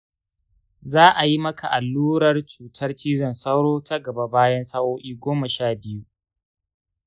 za a yi maka allurar cutar cizon sauro ta gaba bayan sa'o'i goma sha biyu.